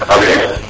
ok